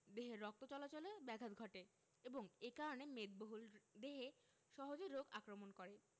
দেহে রক্ত চলাচলে ব্যাঘাত ঘটে এবং এ কারণে মেদবহুল দেহে সহজে রোগ আক্রমণ করে